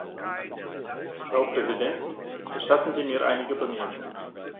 Frau Präsidentin, gestatten Sie mir einige Bemerkungen.